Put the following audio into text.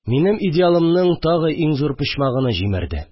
Минем идеалымның тагы иң зур почмагыны җимерде